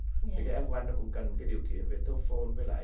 thì cái ép oăn nó cũng cần cái điều kiện về tốp phôn với lại